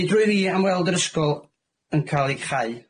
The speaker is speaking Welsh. Nid rwyf i am weld yr ysgol yn cael ei chau,